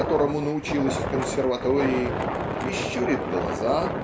которому научилась в консерватории и щурит глаза